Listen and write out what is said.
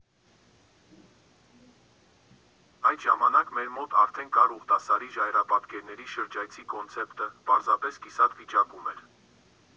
Այդ ժամանակ մեր մոտ արդեն կար Ուղտասարի ժայռապատկերների շրջայցի կոնցեպտը, պարզապես կիսատ վիճակում էր։